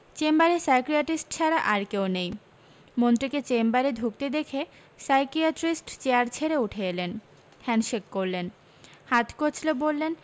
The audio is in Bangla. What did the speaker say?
চেম্বারে সাইকিয়াট্রিস্ট ছাড়া আর কেউ নেই মন্ত্রীকে চেম্বারে ঢুকতে দেখে সাইকিয়াট্রিস্ট চেয়ার ছেড়ে উঠে এলেন হ্যান্ডশেক করলেন হাত কচলে বললেন